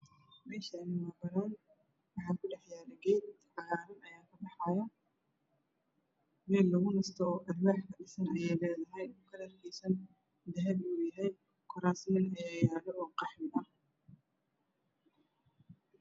Meeshaani waa banaan waxaa ku dhax yaalo geed cagaaran meel lagu nasto ayey leedahay kalrkiisana uu dahabi yahay kuraasaman ayaa yaalo qaxwi ah